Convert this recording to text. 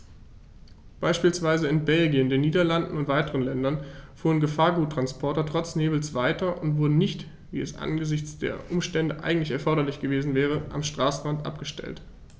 Beispielsweise in Belgien, den Niederlanden und weiteren Ländern fuhren Gefahrguttransporter trotz Nebels weiter und wurden nicht, wie es angesichts der Umstände eigentlich erforderlich gewesen wäre, am Straßenrand abgestellt.